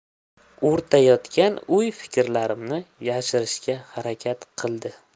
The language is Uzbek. o'rtayotgan o'y fikrlarini yashirishga harakat qildi